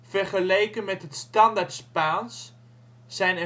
Vergeleken met het standaard Spaans, zijn